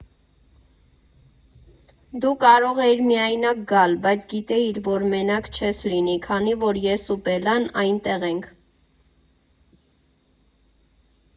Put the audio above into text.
Դու կարող էիր միայնակ գալ, բայց գիտեիր, որ մենակ չես լինի, քանի որ ես ու Բելլան այնտեղ ենք։